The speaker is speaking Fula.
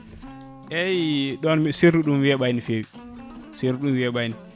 eyyi ɗon serdude ɗum weɓani no fewi serdude ɗum weeɓani